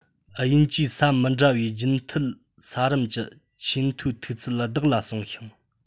དབྱིན ཇིའི ས མི འདྲ བའི རྒྱུན མཐུད ས རིམ གྱི ཆེས མཐོའི མཐུག ཚད བདག ལ གསུངས ཤིང